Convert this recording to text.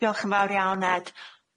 Diolch yn fawr iawn Ed.